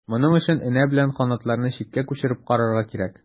Моның өчен энә белән канатларны читкә күчереп карарга кирәк.